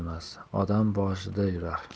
emas odam boshida yurar